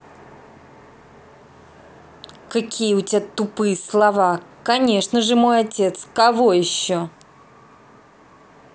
какие у тебя тупые слова конечно же мой отец кого еще